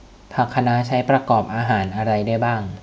ผักคะน้าใช้ประกอบอาหารอะไรได้บ้าง